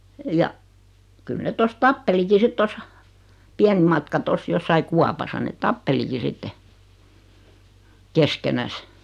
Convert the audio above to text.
ja kyllä ne tuossa tappelikin sitten tuossa pienen matkan tuossa jossakin kaupassa ne tappelikin sitten keskenänsä